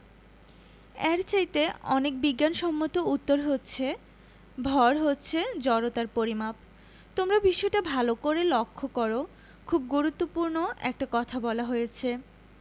এর চাইতে অনেক বিজ্ঞানসম্মত উত্তর হচ্ছে ভর হচ্ছে জড়তার পরিমাপ তোমরা বিষয়টা ভালো করে লক্ষ করো খুব গুরুত্বপূর্ণ একটা কথা বলা হয়েছে